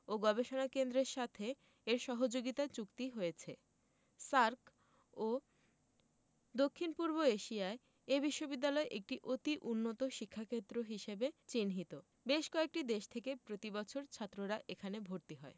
ও গবেষণা কেন্দ্রের সাথে এর সহযোগিতা চুক্তি হয়েছে SAARC ও দক্ষিণ পূর্ব এশিয়ায় এ বিশ্ববিদ্যালয় একটি অতি উন্নত শিক্ষাক্ষেত্র হিসেবে চিহ্নিত বেশ কয়েকটি দেশ থেকে প্রতি বছর ছাত্ররা এখানে ভর্তি হয়